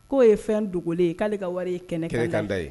K'o ye fɛn dogolen ye k'ale ka wari ye kɛnɛ kɛ ye